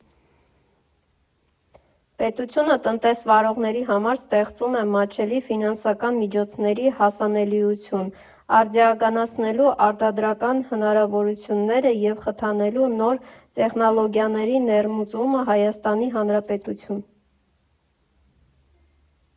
Պետությունը տնտեսվարողների համար ստեղծում է մատչելի ֆինանսական միջոցների հասանելիություն՝ արդիականացնելու արտադրական հնարավորությունները և խթանելու նոր տեխնոլոգիաների ներմուծումը Հայաստանի Հանրապետություն։